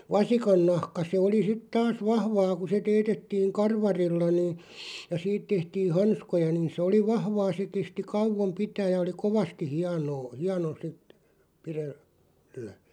vasikannahka se oli sitten taas vahvaa kun se teetettiin karvarilla niin ja siitä tehtiin hanskoja niin se oli vahvaa se kesti kauan pitää ja oli kovasti hienoa hieno sitten - pidellä